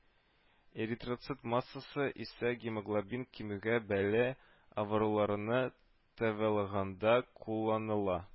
Эритроцит массасы исә гемоглобин кимүгә бәйле авыруларны дәвалаганда кулланыла